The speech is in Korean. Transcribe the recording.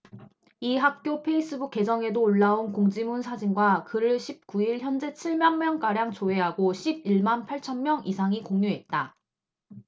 이 학교 페이스북 계정에도 올라온 공지문 사진과 글을 십 구 일 현재 칠 만 명가량 조회하고 십 일 만 팔 천 명 이상이 공유했다